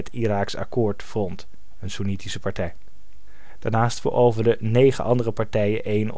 Iraaks Akkoord Front (soennitisch). Daarnaast veroverden negen andere partijen